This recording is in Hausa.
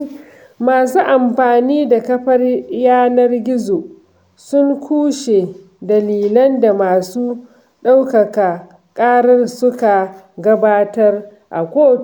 Masu amfani da kafar yanar gizo sun kushe dalilan da masu ɗaukaka ƙarar suka gabatar a kotu.